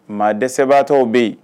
Maa dɛsɛbaatɔ bɛ yen